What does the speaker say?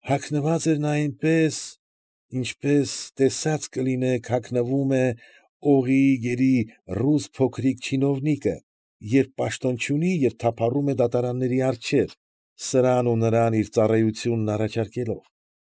Հագնված էր նա այնպես, ինչպես, տեսած կլինեք, հագնվում է օղիի գերի ռուս փոքրիկ չինովնիկը, երբ պաշտոն չունի և թափառում է դատարանների առջև, սրան ու նրան իր ծառայությունն առաջարկելով։